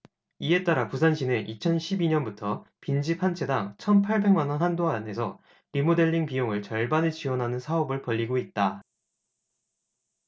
이에 따라 부산시는 이천 십 이 년부터 빈집 한 채당 천 팔백 만원 한도 안에서 리모델링 비용 절반을 지원하는 사업을 벌이고 있다